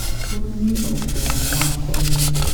Ó ní ọ̀pọ̀ àwọn akọni.